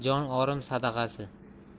jon orim sadag'asi